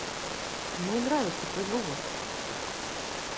мне нравится твой голос